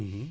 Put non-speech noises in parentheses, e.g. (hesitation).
(hesitation) (hesitation)